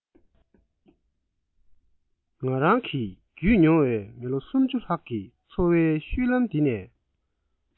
ང རང གིས བརྒྱུད ཡོང བའི མི ལོ སུམ ཅུ ལྷག གི འཚོ བའི བཤུལ ལམ འདི ནས